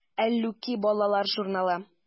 “әллүки” балалар журналы.